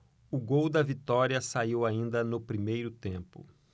o gol da vitória saiu ainda no primeiro tempo